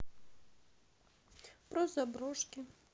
про заброшки